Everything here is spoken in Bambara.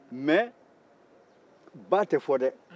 mais ba tɛ fɔ dɛɛ